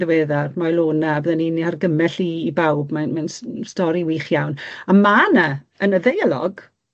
ddiweddar, Maelona, bydden i'n 'i argymell 'i i bawb, mae'n mae'n s- n- stori wych iawn. A ma' 'na, yn y ddeialog